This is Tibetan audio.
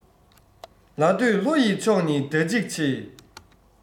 ལ སྟོད ལྷོ ཡི ཕྱོགས ནི དགྲ འཇིགས ཆེ